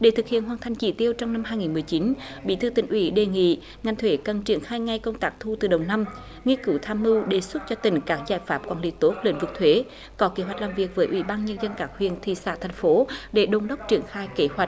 để thực hiện hoàn thành chỉ tiêu trong năm hai nghìn mười chín bí thư tỉnh ủy đề nghị ngành thuế cần triển khai ngay công tác thu từ đầu năm nghiên cứu tham mưu đề xuất cho tỉnh các giải pháp quản lý tốt lĩnh vực thuế có kế hoạch làm việc với ủy ban nhân dân các huyện thị xã thành phố để đôn đốc triển khai kế hoạch